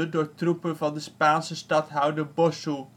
door troepen van de Spaanse stadhouder Bossu